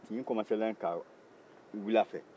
tin komansera ka wuli a fɛ